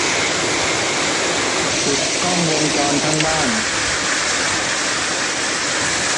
ปิดกล้องวงจรทั้งบ้าน